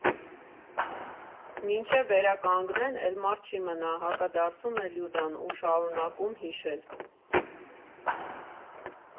Մինչև վերականգնեն, էլ մարդ չի մնա, ֊ հակադարձում է Լյուդան ու շարունակում հիշել.